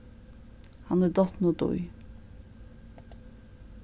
hann er dottin útí